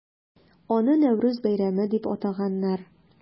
Аны Нәүрүз бәйрәме дип атаганнар.